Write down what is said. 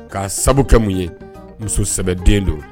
K'a sababu kɛ mun ye muso kosɛbɛ den don